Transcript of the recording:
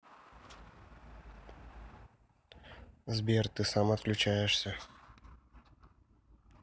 сбер а ты сам отключаешься